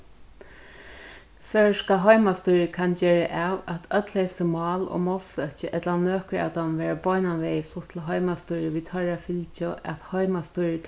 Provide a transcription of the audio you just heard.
føroyska heimastýrið kann gera av at øll hesi mál og málsøki ella nøkur av teimum verða beinanvegin flutt til heimastýrið við teirri fylgju at heimastýrið